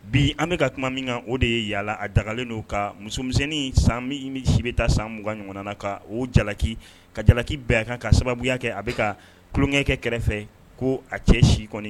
Bi an bɛka ka tuma min kan o de ye yaala a dagalen don ka musomisɛnnin san mi ni si bɛ taa san mugan ɲɔgɔn ka oo jalaki ka jalaki bɛɛ a kan ka sababuya kɛ a bɛka ka tulonkɛkɛ kɛrɛfɛ ko a cɛ si kɔni